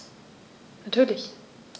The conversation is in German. Natürlich.